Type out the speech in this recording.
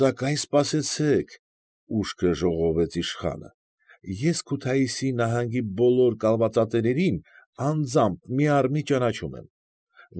Սակայն սպասեցեք,֊ ուշքը ժողովեց իշխանը,֊ ես Քութայիսի նահանգի բոլոր կալվածատերերին անձամբ միառմի ճանաչում եմ։